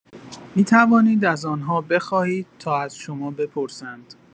می‌توانید از آن‌ها بخواهید تا از شما بپرسند.